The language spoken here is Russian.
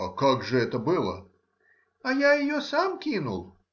— А как же это было? — Я ее сам кинул.